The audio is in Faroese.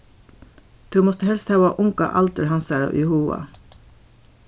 tú mást helst hava unga aldur hansara í huga